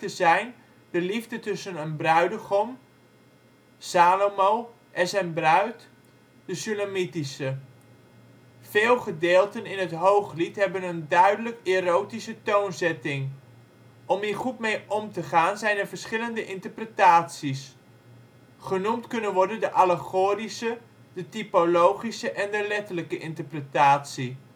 zijn: de liefde tussen een bruidegom (Salomo) en zijn bruid (de Sulamith). Veel gedeelten in het Hooglied hebben een duidelijk erotische toonzetting. Om hier goed mee om te gaan, zijn er verschillende interpretaties. Genoemd kunnen worden de allegorische, de typologische en de letterlijke interpretatie